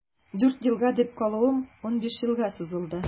Дүрт елга дип калуым унбиш елга сузылды.